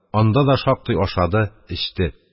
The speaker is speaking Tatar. Анда да шактый ашады, эчте